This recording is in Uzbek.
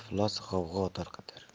iflos g'avg'o tarqatar